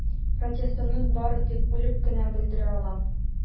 Протестымны бары тик үлеп кенә белдерә алам.